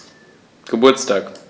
Geburtstag